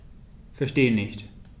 Verstehe nicht.